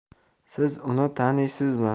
siz uni taniysizmi